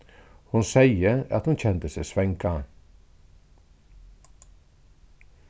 hon segði at hon kendi seg svanga